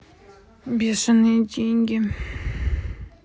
бешеные деньги